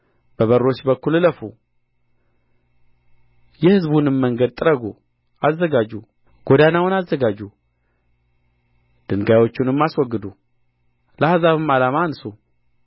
በበሮች በኩል እለፉ የሕዝቡንም መንገድ ጥረጉ አዘጋጁ ጐዳናውን አዘጋጁ ድንጋዮቹንም አስወግዱ ለአሕዛብም ዓለማ አንሡ